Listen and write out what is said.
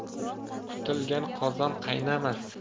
kutilgan qozon qaynamas